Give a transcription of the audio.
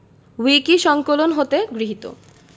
উইকিসংকলন হতে গৃহীত